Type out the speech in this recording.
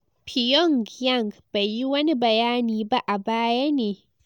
Pyongyang bai yi wani bayani ba a baya ne.